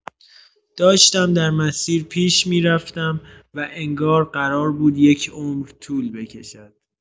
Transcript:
داشتم در مسیر پیش می‌رفتم و انگار قرار بود یک عمر طول بکشد.